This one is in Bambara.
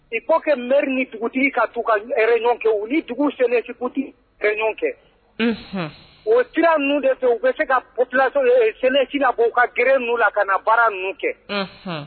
I ko kɛ mri ni dugutigi ka' u ka ɲɔgɔn kɛ u dugu sɛnɛku kɛ o kira ninnu de fɛ u bɛ se kalaso sɛnɛci k' u ka g la ka na baara n ninnu kɛ